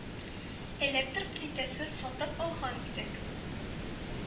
Электр плитәсе сатып алган идек